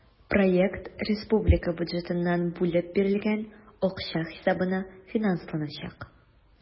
Проект республика бюджетыннан бүлеп бирелгән акча хисабына финансланачак.